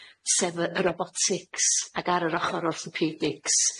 sef yy y robotics, ag ar yr ochor orthopedics.